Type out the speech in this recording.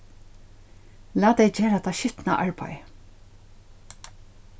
lat tey gera tað skitna arbeiðið